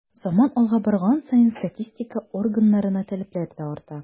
Заман алга барган саен статистика органнарына таләпләр дә арта.